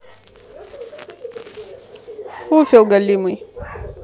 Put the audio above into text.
фуфел галимый